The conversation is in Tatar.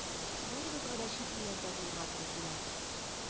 Барыбызга да чит илләрдә булырга туры килә.